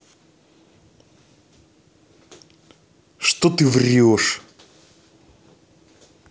что ты врешь